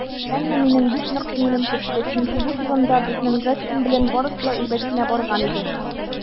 Әмма минем бик нык күңелем төште, чөнки бу сезонда безнең Джастин белән барысы да әйбәт кенә барган иде.